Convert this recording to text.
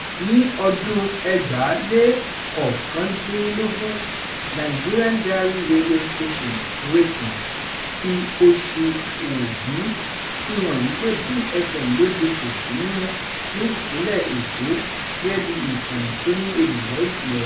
Ní ọdún-un 2019, Nigeria Diary Radio Stations Ratings ti oṣù Ògún fi hàn wípé Bond FM ló di ipò kìíní mú ní Ìpínlẹ̀ Èkó gẹ́gẹ́ bí ìkànnì tí ó ní olùgbọ́ jù lọ.